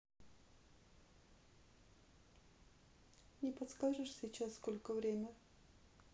не подскажешь сейчас сколько время